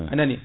anani